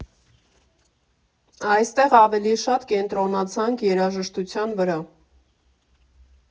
Այստեղ ավելի շատ կենտրոնացանք երաժշտության վրա։